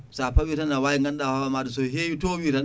sa fawi tan na wawi ganduɗa hoore maɗa so hewi towi tan